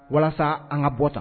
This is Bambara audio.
Walasa an ka bɔ tan.